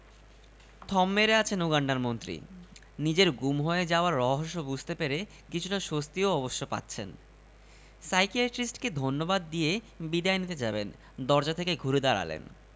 সমস্যা শুনে চিন্তায় পড়ে গেলেন সাইকিয়াট্রিস্ট আয়নায় নিজেকে দেখছেন না না কেউ আপনাকে দেখতে পাচ্ছে না আপনি ছাড়া কেউ আমাকে দেখতে পায়নি ছায়াও পড়ছে না না